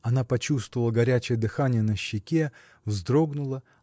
Она почувствовала горячее дыхание на щеке вздрогнула